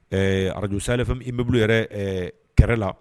Ɛɛ araj sa fɛn i bɛ bolo yɛrɛ kɛlɛ la